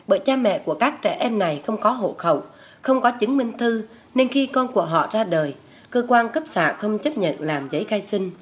bởi cha mẹ của các trẻ em này không có hộ khẩu không có chứng minh thư nên khi con của họ ra đời cơ quan cấp xã không chấp nhận làm giấy khai sinh